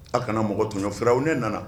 A kana mɔgɔ tunf u ne nana